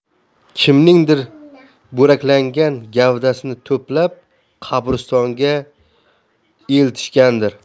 kimningdir bo'laklangan gavdasini to'plab qabristonga eltishgandir